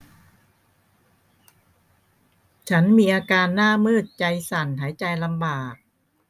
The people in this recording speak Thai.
ฉันมีอาการหน้ามืดใจสั่นหายใจลำบาก